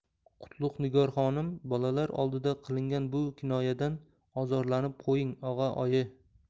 qutlug' nigor xonim bolalar oldida qilingan bu kinoyadan ozorlanib qo'ying og'a oyi